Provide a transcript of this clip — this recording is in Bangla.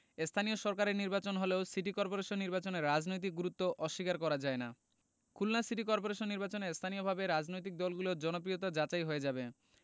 স্থানীয় সরকারের নির্বাচন হলেও সিটি করপোরেশন নির্বাচনের রাজনৈতিক গুরুত্ব অস্বীকার করা যায় না খুলনা সিটি করপোরেশন নির্বাচনে স্থানীয়ভাবে রাজনৈতিক দলগুলোর জনপ্রিয়তা যাচাই হয়ে যাবে